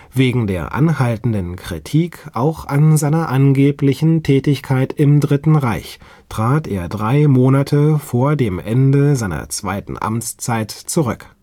Wegen der anhaltenden Kritik auch an seiner angeblichen Tätigkeit im Dritten Reich trat er drei Monate vor dem Ende seiner zweiten Amtszeit zurück